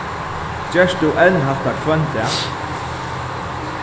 gert tú enn hatta hvønn dag